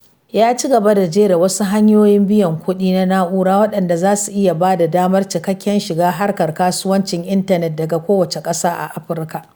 Ya ci gaba da jera wasu hanyoyin biyan kuɗi na na'ura waɗanda za su iya ba da damar cikakken shiga harkar kasuwancin intanet daga kowace ƙasa a Afirka.